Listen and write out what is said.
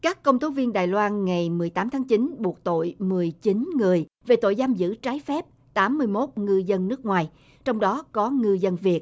các công tố viên đài loan ngày mười tám tháng chín buộc tội mười chín người vì tội giam giữ trái phép tám mươi mốt ngư dân nước ngoài trong đó có ngư dân việt